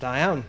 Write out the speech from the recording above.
Da iawn.